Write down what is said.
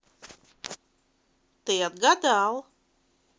ты отгадал